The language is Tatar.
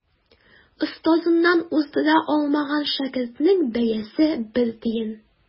Остазыннан уздыра алмаган шәкертнең бәясе бер тиен.